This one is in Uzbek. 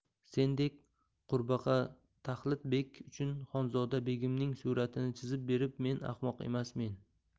sendek qurbaqataxlit bek uchun xonzoda begimning suratini chizib berib men ahmoq emasmen